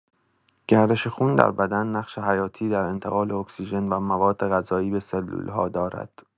گردش خون در بدن نقش حیاتی در انتقال اکسیژن و موادغذایی به سلول‌ها دارد.